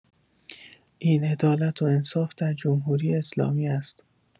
این عدالت و انصاف در جمهوری‌اسلامی است.